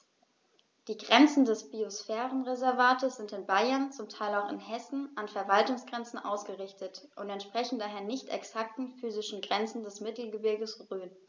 Die Grenzen des Biosphärenreservates sind in Bayern, zum Teil auch in Hessen, an Verwaltungsgrenzen ausgerichtet und entsprechen daher nicht exakten physischen Grenzen des Mittelgebirges Rhön.